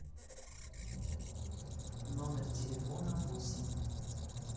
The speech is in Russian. номер телефона восемь